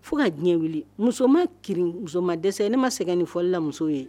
Fo ka diɲɛ wili musoman ki musoman ma dɛsɛ ne ma sɛgɛn ninfɔlamuso ye